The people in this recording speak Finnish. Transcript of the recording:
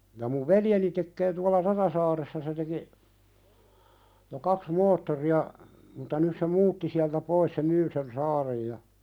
ja minun veljeni tekee tuolla Rajasaaressa se teki jo kaksi moottoria mutta nyt se muutti sieltä pois se myy sen saaren ja